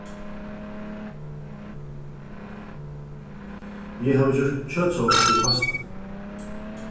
eg havi gjørt kjøtsós við pasta